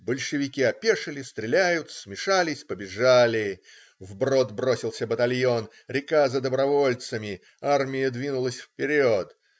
Большевики опешили, стреляют, смещались, побежали. Вброд бросился батальон. Река за добровольцами. Армия двинулась вперед.